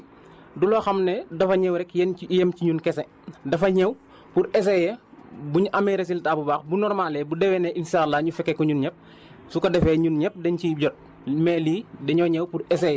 waaw ñooñu tamit maa ngi leen di xamal ne lii du loo xam ne dafa ñëw rek yem ci yem ci ñun kese dafa ñëw pour essayer bu ñu amee résultat bu baax bu normal bu déwénee incha allah ñu fekke ko ñunñëpp su ko defee ñun ñëpp dañ ciy jot